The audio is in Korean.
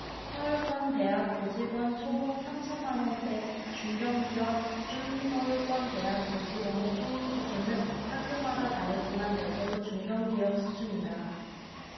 서울권 대학 교직원 초봉 삼 천만원대 중견기업 수준서울권 대학 교직원의 초임 수준은 학교마다 다르지만 대체로 중견기업 수준이다